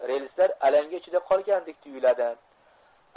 relslar alanga ichida qolgandek tuyuladi